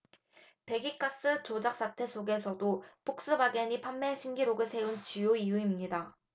배기가스 조작사태 속에서도 폭스바겐이 판매 신기록을 세운 주요 이유입니다